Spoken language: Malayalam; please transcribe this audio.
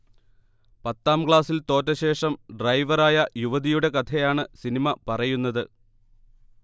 പത്താംക്ലാസിൽ തോറ്റശേഷം ഡ്രൈവറായ യുവതിയുടെ കഥയാണ് സിനിമ പറയുന്നത്